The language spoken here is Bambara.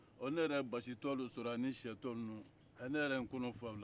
ne yɛrɛ ye basi tɔ dɔ sɔrɔn ye ani sɛ tɔ nunun ne yɛrɛ ye n kɔnɔ fa o la